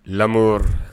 Lamɔ